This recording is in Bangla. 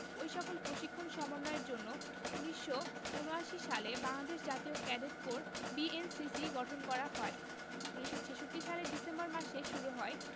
ওই সকল প্রশিক্ষণ সমন্বয়ের জন্য ১৯৭৯ সালে বাংলাদেশ জাতীয় ক্যাডেট কোর বিএনসিসি গঠন করা হয় ১৯৬৬ সালের ডিসেম্বর মাসে শুরু হয়